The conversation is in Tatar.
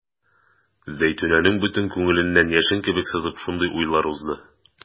Зәйтүнәнең бөтен күңелен яшен кебек сызып шундый уйлар узды.